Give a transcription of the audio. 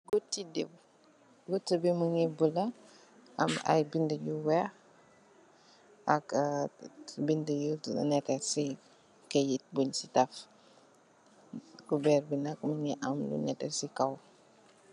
Gutti diw, guttu bi mugii bula am ay bindé yu wèèx ak bindé yu nèkka ci kayit buñ ci taf. Kuberr gi nak mugii am lu netteh ci kaw.